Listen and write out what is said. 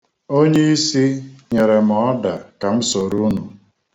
Onyeisi nyere m ọda ka m soro unu.